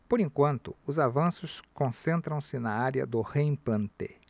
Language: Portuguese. por enquanto os avanços concentram-se na área do reimplante